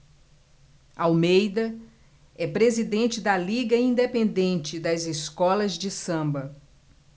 almeida é presidente da liga independente das escolas de samba